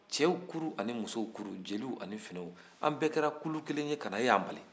cɛw kuru ani musow kuru jeliw ani funɛw an bɛɛ kɛra kulu kelen ye ka na e y'an bali